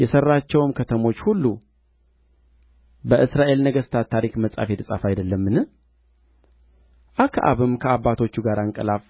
የሠራቸውም ከተሞች ሁሉ በእስራኤል ነገሥታት ታሪክ መጽሐፍ የተጻፈ አይደለምን አክዓብም ከአባቶቹ ጋር አንቀላፋ